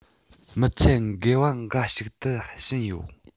མི ཚད འགལ བ འགའ ཞིག ཏུ ཕྱིན ཡོད